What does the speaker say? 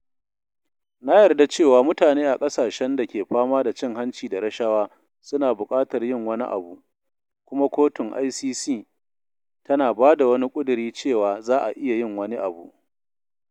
Na yarda cewa mutane a ƙasashen da ke fama da cin hanci da rashawa suna buƙatar yin wani abu, kuma kotun ICC tana ba da wani kudiri cewa za a iya yin wani abu.